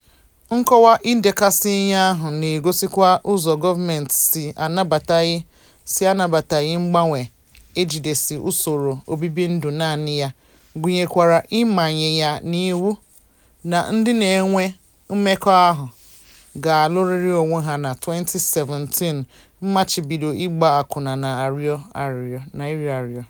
"Nkọwa idekasị ihe" ahụ na-egosikwa ụzọ gọọmentị si anabataghị mgbanwe, ejidesi usoro obibindụ naanị ya, gụnyekwara imanye ya n'iwu na ndị na-enwe mmekọahụ ga-aluriri onwe ha na 2017, mmachibido ịgba akwụna na ịrịọ arịrịọ."